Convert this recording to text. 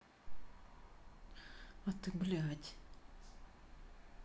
а ты блядь